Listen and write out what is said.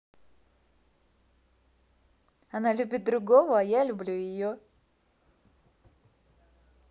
она любит другого а я люблю ее